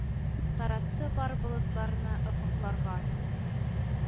Таратты бар болытларны офыкларга.